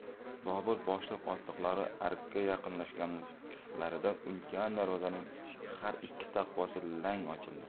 bobur boshliq otliqlar arkka yaqinlashganlarida ulkan darvozaning har ikki tavaqasi lang ochildi